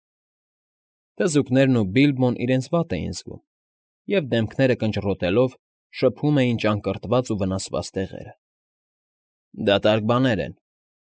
Թզուկներն ու Բիլբոն իրենց վատ էին զգում և, դեմքները կնճռոտելով, շփում էին ճակռված ու վնասված տեղերը։ ֊ Դատարկ բաներ են։